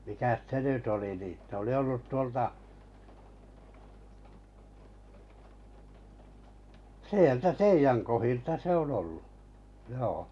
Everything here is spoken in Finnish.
mikäs se nyt oli niin se oli ollut tuolta sieltä teidän kohdilta se on ollut joo